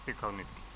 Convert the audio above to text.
si kaw nit ki